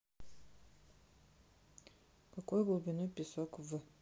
какой глубины песок в